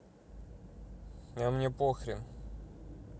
а мне похрен